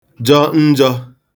jọ njọ̄